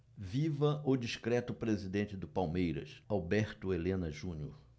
viva o discreto presidente do palmeiras alberto helena junior